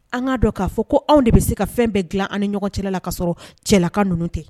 An k'a dɔn k'a fɔ ko anw de bɛ se ka fɛn bɛɛ dilan an ni ɲɔgɔn cɛla la kasɔrɔ sɔrɔ cɛlaka ninnu tɛ